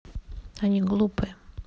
они глупые